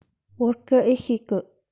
བོད སྐད ཨེ ཤེས གི